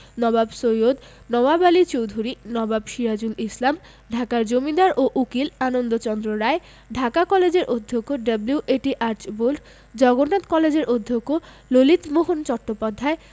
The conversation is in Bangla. নবাব সৈয়দ নওয়াব আলী চৌধুরী নবাব সিরাজুল ইসলাম ঢাকার জমিদার ও উকিল আনন্দচন্দ্র রায় ঢাকা কলেজের অধ্যক্ষ ডব্লিউ.এ.টি আর্চবোল্ড জগন্নাথ কলেজের অধ্যক্ষ ললিতমোহন চট্টোপাধ্যায়